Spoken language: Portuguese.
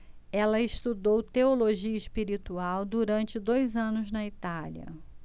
ela estudou teologia espiritual durante dois anos na itália